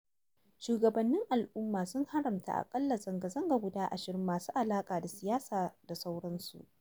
Shugabannin al'umma sun haramta a ƙalla zanga-zanga guda 20 masu alaƙa da siyasa da sauransu.